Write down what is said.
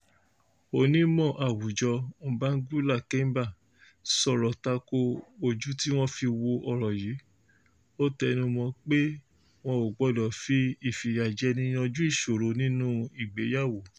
Onímọ̀ àwùjọ Mbangula Kemba sọ̀rọ̀ tako ojú tí wọ́n fi wo ọ̀rọ̀ yìí, ó tẹnumọ́ọ pé wọn ò gbọdọ̀ fi ìfìyàjẹni yanjú ìṣòro nínú ìgbéyàwó.